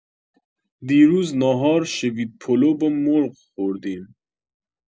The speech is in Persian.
دیروز ناهار شوید پلو با مرغ خوردیم